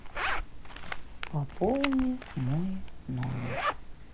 пополни мой номер